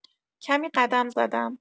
کمی قدم زدم.